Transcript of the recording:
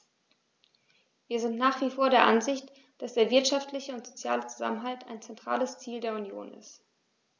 Wir sind nach wie vor der Ansicht, dass der wirtschaftliche und soziale Zusammenhalt ein zentrales Ziel der Union ist.